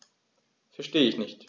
Verstehe nicht.